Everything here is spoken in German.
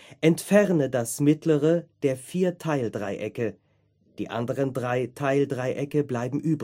Entferne das mittlere der vier Teildreiecke (die anderen drei Teildreiecke bleiben